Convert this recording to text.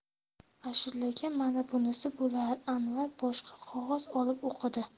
ashulaga mana bunisi bo'lar anvar boshqa qog'oz olib o'qidi